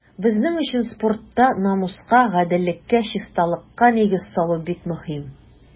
Безнең өчен спортта намуска, гаделлеккә, чисталыкка нигез салу бик мөһим.